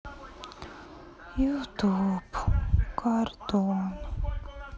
ютуб гордон